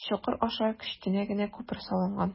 Чокыр аша кечкенә генә күпер салынган.